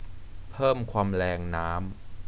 เพิ่มความแรงน้ำ